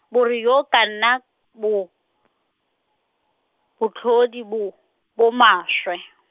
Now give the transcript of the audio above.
bore jo kana, bo, botlhodi bo, bo maswe.